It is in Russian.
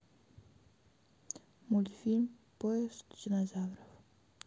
мультфильм поезд динозавров